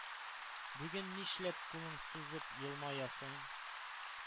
Бүген нишләп кулың сузып елмаясың?